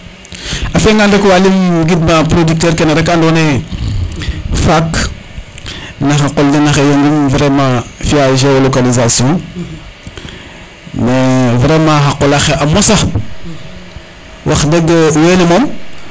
a fiya ngan rek waly im gidma producteur kene rek ando naye faak naxa qol dena xa yongum vraiment fiya geolocalisation mais vraiment xa qola xe a mosa wax deg wene moom